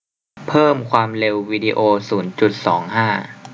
เพิ่มความเร็ววีดีโอศูนย์จุดสองห้า